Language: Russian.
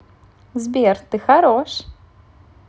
сбер ты хорош